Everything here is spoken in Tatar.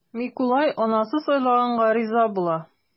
Микулай анасы сайлаганга риза була.